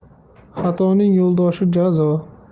xatoning yo'ldoshi jazo